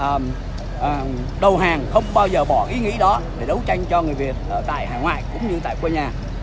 ờm ờm đầu hàng không bao giờ bỏ cái ý nghĩ đó để đấu tranh cho người việt ở tại hải ngoại cũng như tại quê nhà